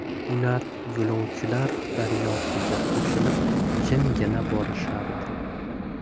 ular yo'lovchilar daryosiga qo'shilib jimgina borishardi